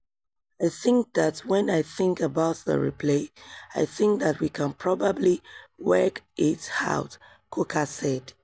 "I think that when I think about the replay, I think that we can probably work it out," Coker said.